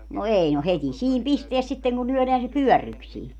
no ei no heti siinä pistää sitten kun lyödään se pyörryksiin